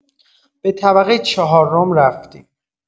به طبقۀ چهارم رفتیم.